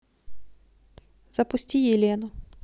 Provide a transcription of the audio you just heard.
запусти елену